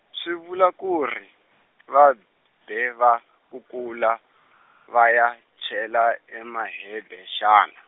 swi vula ku ri , va b-, be va kukula, va ya chela e Mahebe xana.